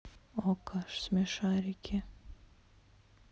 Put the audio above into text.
окко смешарики